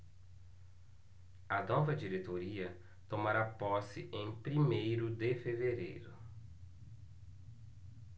a nova diretoria tomará posse em primeiro de fevereiro